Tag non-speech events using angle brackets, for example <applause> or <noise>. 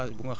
<hesitation> <hesitation>